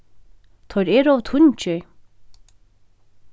teir eru ov tungir